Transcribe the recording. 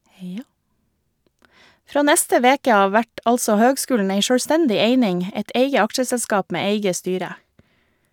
Frå neste veke av vert altså høgskulen ei sjølvstendig eining, eit eige aksjeselskap med eige styre.